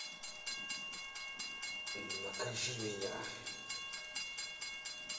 накажи меня